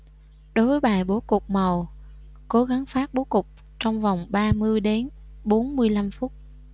đối với bài bố cục màu cố gắng phác bố cục trong vòng ba mươi đến bốn mươi lăm phút